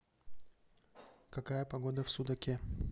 какая погода в судаке